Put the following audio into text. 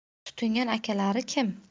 tutingan akalari kim